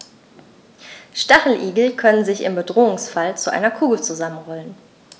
Stacheligel können sich im Bedrohungsfall zu einer Kugel zusammenrollen.